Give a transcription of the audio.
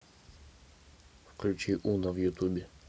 включи уно в ютубе